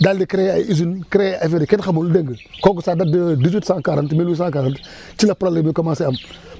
daal di créer ay usines créer affaires yu kenn xamul dégg nga kooku ça date de dix huit cent quarante mille huit cent quarante ci la problèmes yi commencé :fraam